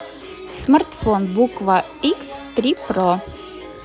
смартфон буква x три про